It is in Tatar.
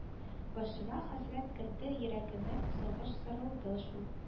Башыма хәсрәт керде йөрәгемә сагыш сарылды шул